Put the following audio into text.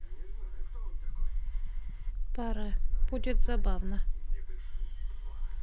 пора будет забавно